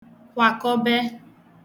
kwàkọbẹ